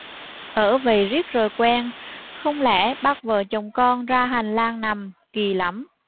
ở vậy riết rồi quen không lẽ bắt vợ chồng con ra hành lang nằm kỳ lắm